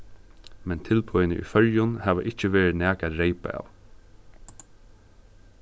men tilboðini í føroyum hava ikki verið nakað at reypa av